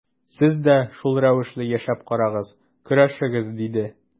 Сез дә шул рәвешле яшәп карагыз, көрәшегез, диде.